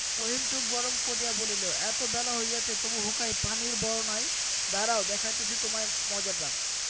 রহিম চোখ গরম করিয়া বলিল এত বেলা হইয়াছে তবু হুঁকায় পানির ভর নাই দাঁড়াও দেখাইতেছি তোমায় মজাটা